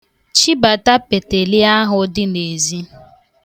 Chibata peteli ahụ dị n'ezi